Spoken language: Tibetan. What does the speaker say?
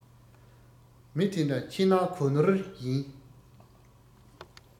མི དེ འདྲ ཕྱི ནང གོ ནོར ཡིན